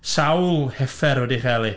Sawl heffer wedi ei chael hi.